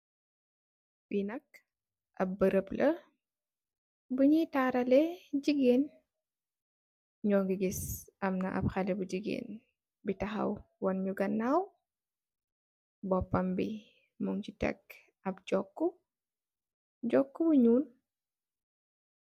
Li nak am berem la bu nyui tarale jigeen nyugi giss amna ap xaleh bu jigeen bu taxaw woon nyu ganaw mbopam bi mun si teck ap joku joku bu nuul.